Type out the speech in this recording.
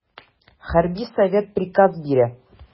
Хәрби совет приказ бирә.